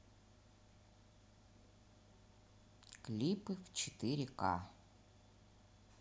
клипы в четыре к